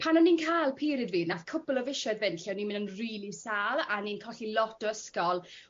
pan o'n i'n ca'l period fi nath cwpwl o fisoedd fynd lle o'n i'n myn' yn rili sâl a o'n i'n colli lot o ysgol